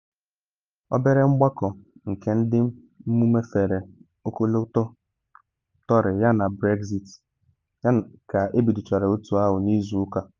Obere mgbakọ nke ndị mmume fere ọkọlọtọ Tory Yana Brexit ka ebidochara otu ahụ n’izu ụka a.